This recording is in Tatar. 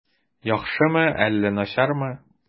Яхшымы әллә начармы?